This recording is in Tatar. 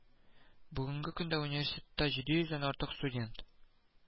Бүгенге көндә университетта җиде йөздән артык студент